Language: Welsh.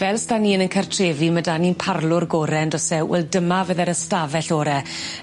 Fel sdan ni yn 'yn cartrefi ma' 'dan ni'n parlwr gore on'd o's e? Wel dyma fydde'r ystafell ore.